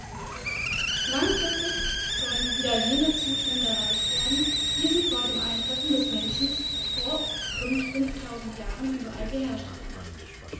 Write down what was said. Langfristig sollen wieder jene Zustände erreicht werden, wie sie vor dem Eintreffen des Menschen vor rund 5000 Jahren überall geherrscht haben.